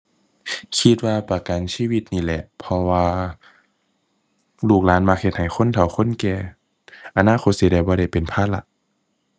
คิดว่าประกันชีวิตนี่แหละ เพราะว่าลูกหลานมักเฮ็ดให้คนเฒ่าคนแก่ อนาคตสิได้บ่ได้เป็นภาระ